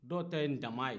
dɔw ta ye tamani ye